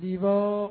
Iɔn